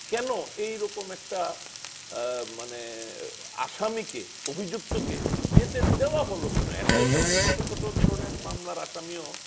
কেন এইরকম একটা মানে আসামিকে অভিযুক্ত কে যেতে দেওয়া হলো কেন এর চাইতে অনেক ছোট ছোট ধরনের মামলার আসামিও